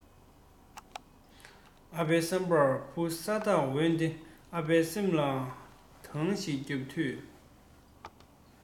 ཨ ཕའི བསམ པར བུ ས ཐག འོན ཏེ ཨ ཕའི སེམས ལ གདང ཞིག བརྒྱབ དུས